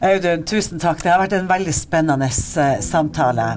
Audun tusen takk det har vært en veldig spennende samtale.